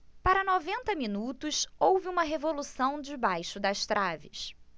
para noventa minutos houve uma revolução debaixo das traves